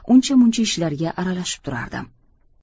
uncha muncha ishlarga aralashib turardim